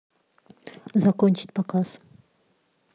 закончить показ